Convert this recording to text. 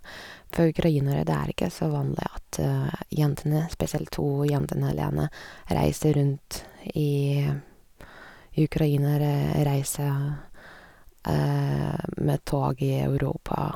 For ukrainere, det er ikke så vanlig at jentene, spesielt to jentene alene, reiser rundt i i Ukraina eller reise med tog i Europa.